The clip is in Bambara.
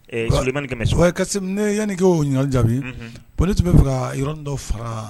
Ɛɛ Sulemani Kɛmɛso wai Kasimu ne ya ni ko o ɲiningali jaabi Unhun bon ne tun bi fɛ ka yɔrɔ dɔ fara